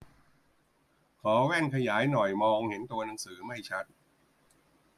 ขอแว่นขยายหน่อยมองเห็นตัวหนังสือไม่ชัด